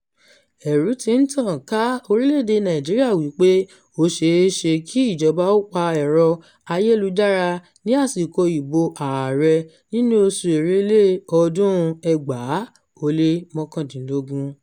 Ẹ̀rù ti ń tàn ká orílẹ̀-èdè Nàìjíríà wípé ó ṣe é ṣe kí ìjọba ó pa ẹ̀rọ-ayélujára ní àsìkò ìbò ààrẹ nínú oṣù Èrèlé ọdún-un 2019.